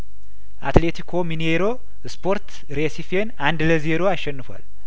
አትሌት ኮ ሚኔይሮ ስፖርት ሬሲፌን አንድ ለዜሮ አሸንፏል